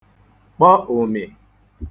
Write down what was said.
kpọ ụ̀mị̀